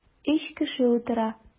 Өч кеше утыра.